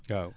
waaw